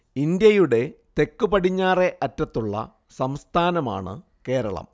ഇന്ത്യയുടെ തെക്കുപടിഞ്ഞാറെ അറ്റത്തുള്ള സംസ്ഥാനമാണ് കേരളം